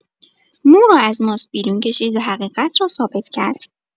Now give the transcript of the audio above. مو را از ماست بیرون کشید و حقیقت را ثابت کرد.